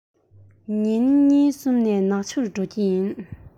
ཉིན གཉིས གསུམ ནས ནག ཆུར འགྲོ གི ཡིན